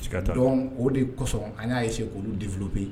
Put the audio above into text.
Sigaka dɔn o de kɔsɔn an y'a ye se k' delo bɛ yen